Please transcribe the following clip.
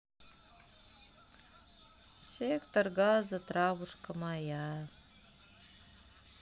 сектор газа травушка моя